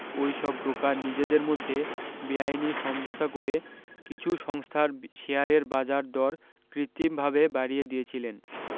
ওই সব ব্রোকার নিজেদের মধ্যে বেআইনি সমঝোতা করে কিছু সংস্থার শেয়ারের বাজার দর কৃত্রিম ভাবে বাড়িয়ে দিয়েছিলেন